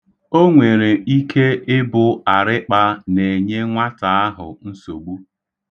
O nwere ike ịbụ arịkpa na-enye nwata ahụ nsogbu.